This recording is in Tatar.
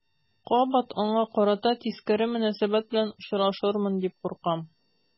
Кабат аңа карата тискәре мөнәсәбәт белән очрашырмын дип куркам.